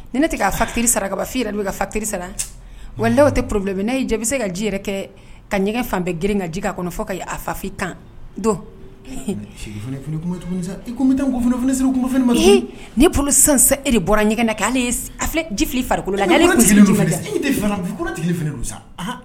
Ni ne tɛ ka fa ki sara ka i yɛrɛ bɛ ka ki sara wa' tɛ porobi n'a ye cɛ bɛ se ka ji yɛrɛ kɛ ka ɲɛgɛn fan bɛɛ grin ka ji fɔ ka a fafin kan don ni p e de bɔra ɲɛgɛn na kɛ ale ji fili farikolo la